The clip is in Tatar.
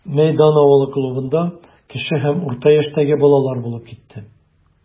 Мәйдан авылы клубында кече һәм урта яшьтәге балалар булып китте.